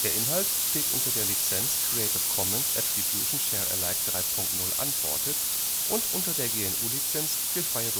Inhalt steht unter der Lizenz Creative Commons Attribution Share Alike 3 Punkt 0 Unported und unter der GNU Lizenz für freie